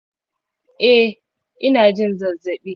eh, ina jin zazzabi.